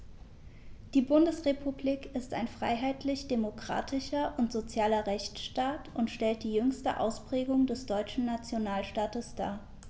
Die Bundesrepublik ist ein freiheitlich-demokratischer und sozialer Rechtsstaat und stellt die jüngste Ausprägung des deutschen Nationalstaates dar.